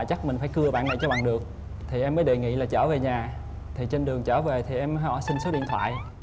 chắc mình phải cưa bạn này cho bằng được thì em mới đề nghị là chở về nhà thì trên đường chở về nhà thì em mới hỏi xin số điện thoại